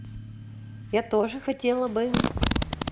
я тоже хотела бы